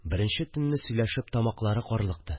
Беренче төнне сөйләшеп тамаклары карлыкты